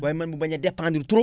waaye man mu bañ a dépendre trop